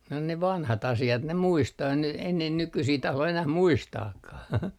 no ne vanhat asiat ne muistaa ei ne ei ne nykyisiä tahdo enää muistaakaan